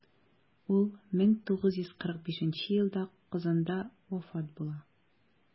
Ул 1945 елда Казанда вафат була.